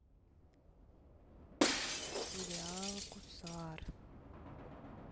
сериал гусар